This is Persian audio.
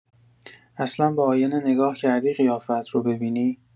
اصلا به آینه نگاه کردی قیافه‌ات رو ببینی؟